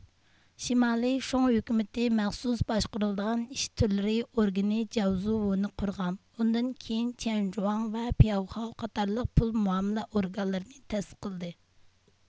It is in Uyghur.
شىمالىي شۇڭ ھۆكۈمىتى مەخسۇس باشقۇرۇلىدىغان ئىش تۈرلىرى ئورگىنى جياۋزى ۋۇ نى قۇرغان ئۇندىن كېيىن چيەنجۇاڭ ۋە پياۋخاۋ قاتارلىق پۇل مۇئامىلە ئورگانلىرىنى تەسىس قىلدى